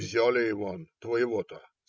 - Взяли, Иван, твоего-то?